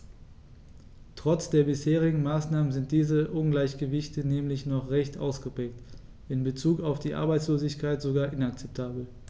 Trotz der bisherigen Maßnahmen sind diese Ungleichgewichte nämlich noch recht ausgeprägt, in bezug auf die Arbeitslosigkeit sogar inakzeptabel.